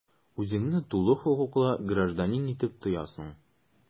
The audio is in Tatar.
Үзеңне тулы хокуклы гражданин итеп тоясың.